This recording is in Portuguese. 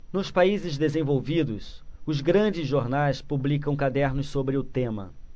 nos países desenvolvidos os grandes jornais publicam cadernos sobre o tema